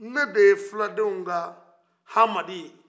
ne de ye fuladenw ka hamadi ye